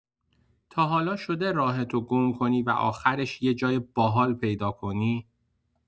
تا حالا شده راهتو گم کنی و آخرش یه جای باحال پیدا کنی؟